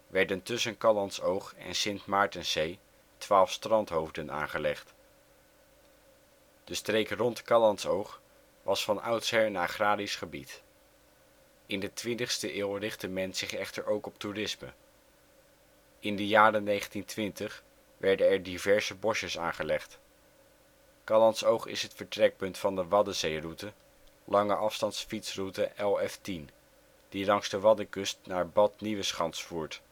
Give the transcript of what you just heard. werden tussen Callantsoog en Sint Maartenszee twaalf strandhoofden aangelegd. De streek rond Callantsoog was van oudsher een agrarisch gebied. In de 20e eeuw richtte men zich echter ook op toerisme. In de jaren 1920 werden er diverse bosjes aangelegd. Callantsoog is het vertrekpunt van de Waddenzeeroute (Lange afstandsfietsroute LF10) die langs de Waddenkust naar Bad Nieuweschans voert